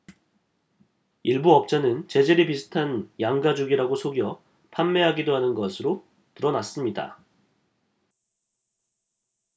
일부 업자는 재질이 비슷한 양 가죽이라고 속여 판매하기도 하는 것으로 드러났습니다